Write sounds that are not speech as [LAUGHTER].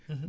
[HESITATION] [HESITATION]